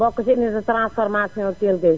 bokk ci unité: fra transformation : fra Kelle Gueye